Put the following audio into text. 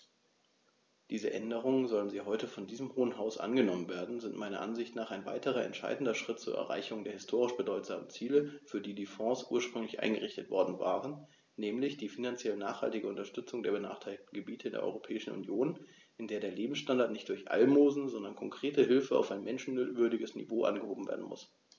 Diese Änderungen, sollten sie heute von diesem Hohen Haus angenommen werden, sind meiner Ansicht nach ein weiterer entscheidender Schritt zur Erreichung der historisch bedeutsamen Ziele, für die die Fonds ursprünglich eingerichtet worden waren, nämlich die finanziell nachhaltige Unterstützung der benachteiligten Gebiete in der Europäischen Union, in der der Lebensstandard nicht durch Almosen, sondern konkrete Hilfe auf ein menschenwürdiges Niveau angehoben werden muss.